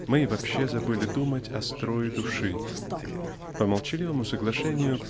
Мы и вообще забыли думать о строе души по молчаливому соглашению